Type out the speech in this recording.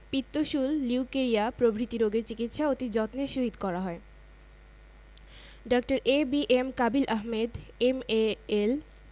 পিত্তশূল লিউকেরিয়া প্রভৃতি রোগের চিকিৎসা অতি যত্নের সহিত করা হয় ডাঃ A B M Kabil Ahmed M A L